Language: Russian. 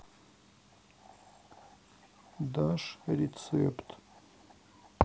дашь рецепт